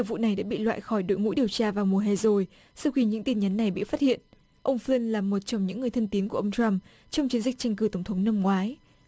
vụ này đã bị loại khỏi đội ngũ điều tra vào mùa hè dồi sau khi những tin nhắn này bị phát hiện ông phiên là một trong những người thân tín của ông trăm trong chiến dịch tranh cử tổng thống năm ngoái